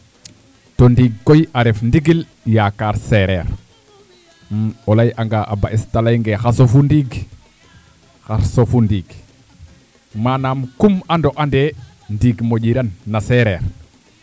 too ndiig koy a ref ndigil yakaar seereer o layangaa ba'es te layong ee xa sufu ndiig xar sufu ndiig manam kum ando and ee ndiig moƴiran na seereer